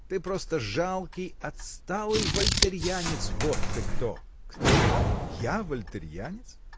ты просто жалкий, отсталый вольтериянец -- вот ты кто! -- Кто, я вольтериянец?